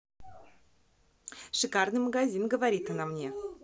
шикарный магазин говорит она мне